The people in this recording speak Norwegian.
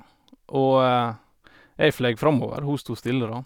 Og jeg fløy framover, hun stod stille, da.